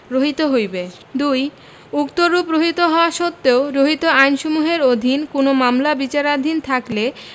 রহিত হইবে ২ উক্তরূপ রহিত হওয়া সত্ত্বেও রহিত আইনসমূহের অধীন কোন মামলা বিচারাধীন থাকলে